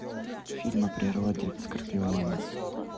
фильм о природе скорпионы